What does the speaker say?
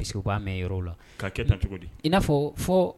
A fɔ